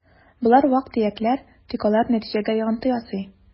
Болар вак-төякләр, тик алар нәтиҗәгә йогынты ясый: